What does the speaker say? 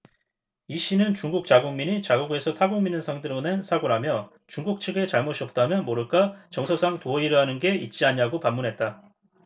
이씨는 중국 자국민이 자국에서 타국민을 상대로 낸 사고라며 중국 측의 잘못이 없다면 모를까 정서상 도의라는 게 있지 않냐고 반문했다